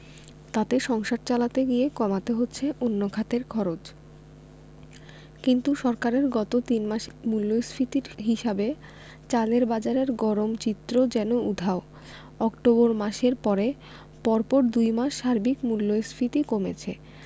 তাতে সংসার চালাতে গিয়ে কমাতে হচ্ছে অন্য খাতের খরচ কিন্তু সরকারের গত তিন মাসের মূল্যস্ফীতির হিসাবে চালের বাজারের গরম চিত্র যেন উধাও অক্টোবর মাসের পরে পরপর দুই মাস সার্বিক মূল্যস্ফীতি কমেছে